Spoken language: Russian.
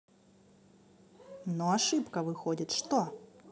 но ошибка выходит что